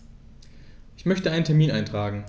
Ich möchte einen Termin eintragen.